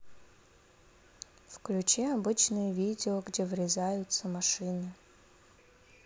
включи обычное видео где врезаются машины